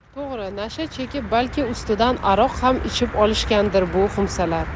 to'g'ri nasha chekib balki ustidan aroq ham ichib olishgandir bu xumsalar